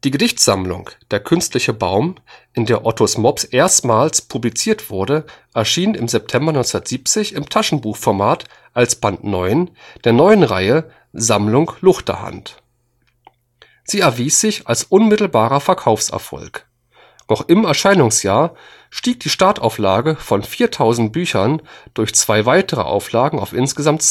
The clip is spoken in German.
Gedichtsammlung der künstliche baum, in der ottos mops erstmals publiziert wurde, erschien im September 1970 im Taschenbuchformat als Band 9 der neuen Reihe Sammlung Luchterhand. Sie erwies sich als unmittelbarer Verkaufserfolg. Noch im Erscheinungsjahr stieg die Startauflage von 4.000 Büchern durch zwei weitere Auflagen auf insgesamt